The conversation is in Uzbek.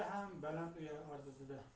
ham baland uya orzusida